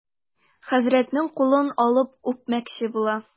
Хәзрәтнең кулын алып үпмәкче була.